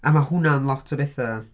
A mae hwnna'n lot o bethau...